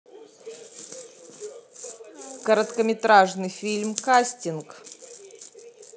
короткометражный фильм кастинг